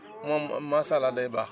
moom macha allah aday baax